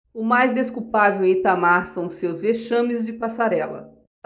o mais desculpável em itamar são os seus vexames de passarela